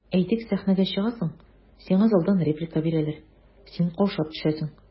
Әйтик, сәхнәгә чыгасың, сиңа залдан реплика бирәләр, син каушап төшәсең.